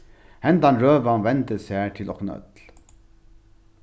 hendan røðan vendi sær til okkum øll